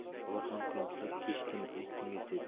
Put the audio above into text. bobur ham kulimsirab kechdim aytingiz dedi